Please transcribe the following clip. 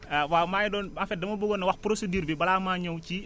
ah waa maa ngi doon en fait dama buggoon a wax procédure bi balaa maa ñëw ci